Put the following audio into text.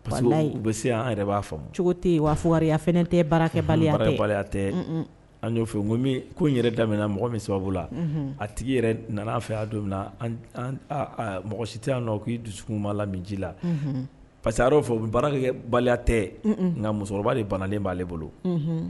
Parce que bɛ se an yɛrɛ b'a fɔ cogo tɛ yen wa fya tɛ baarakɛ baliya tɛ an' fɛ n yɛrɛ daminɛmin mɔgɔ sababu la a tigi yɛrɛ fɛ don min na mɔgɔ si tɛ nɔ ko ii dusu ma la min ji la paseke fɔ baarakɛ bali tɛ nka musokɔrɔba de banalen b'aale bolo